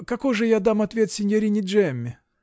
какой же я дам ответ синьорине Джемме?